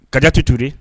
Kadi tɛ to